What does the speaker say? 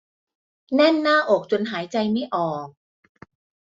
แน่นหน้าอกจนหายใจไม่ออก